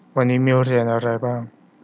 วันนี้มีเรียนอะไรบ้าง